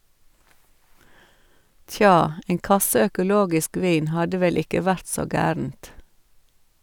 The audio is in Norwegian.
- Tja, en kasse økologisk vin hadde vel ikke vært så gærent.